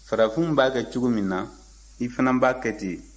farafinw b'a kɛ cogo min na i fana b'a kɛ ten